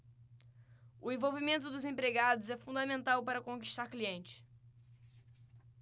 o envolvimento dos empregados é fundamental para conquistar clientes